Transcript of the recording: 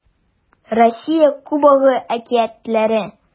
Россия Кубогы әкиятләре